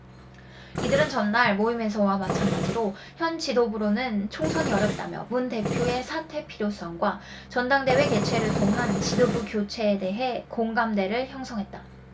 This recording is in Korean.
이들은 전날 모임에서와 마찬가지로 현 지도부로는 총선이 어렵다며 문 대표의 사퇴 필요성과 전당대회 개최를 통한 지도부 교체에 대해 공감대를 형성했다